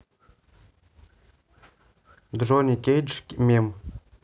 джонни кейдж мем